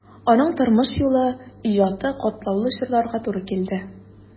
Аның тормыш юлы, иҗаты катлаулы чорларга туры килде.